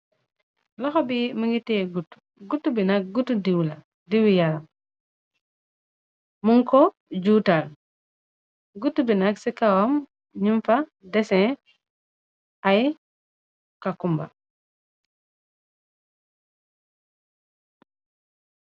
Loxo bi mëngi tiye guttu, guttu bi nak, gutti diw la, diwu yaram, mung ko juutaal, gut bi nak ci kawam nyun fa desin ay kakkumba.